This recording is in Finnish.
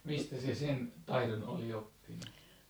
mistä se sen taidon oli oppinut